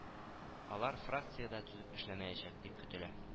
Алар фракция дә төзеп эшләячәк дип көтелә